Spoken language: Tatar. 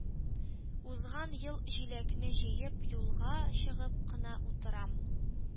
Узган ел, җиләкне җыеп, юлга чыгып кына утырам,